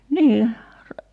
niin